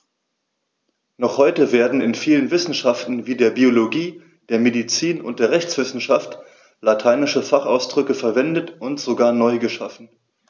Noch heute werden in vielen Wissenschaften wie der Biologie, der Medizin und der Rechtswissenschaft lateinische Fachausdrücke verwendet und sogar neu geschaffen.